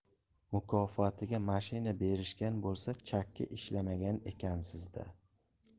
mukofotga mashina berishgan bo'lsa chakki ishlamagan ekansizda